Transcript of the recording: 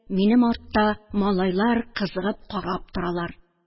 Минем артта малайлар кызыгып карап торалар.